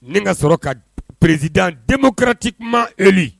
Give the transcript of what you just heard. Nin ka sɔrɔ ka peressid denmuso kɛrati kuma eli